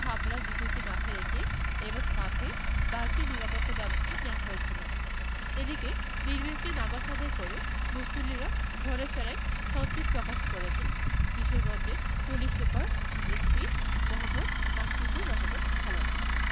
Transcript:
হামলার বিষয়টি মাথায় রেখে এবার মাঠে বাড়তি নিরাপত্তাব্যবস্থা নেওয়া হয়েছিল এদিকে নির্বিঘ্নে নামাজ আদায় করে মুসল্লিরা ঘরে ফেরায় সন্তোষ প্রকাশ করেছেন কিশোরগঞ্জের police super SP Md. Mashrukur Rahman Khaled